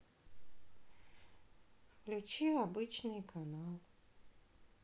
включи обычный канал